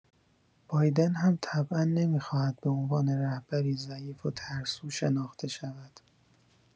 بایدن هم طبعا نمی‌خواهد به عنوان رهبری ضعیف و ترسو شناخته شود.